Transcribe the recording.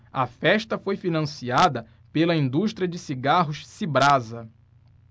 a festa foi financiada pela indústria de cigarros cibrasa